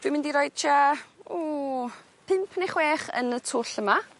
Dwi' mynd i roid tsua o pump ne' chwech yn y twll yma.